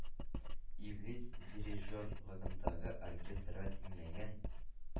Иблис дирижерлыгындагы оркестрга тиңләгән.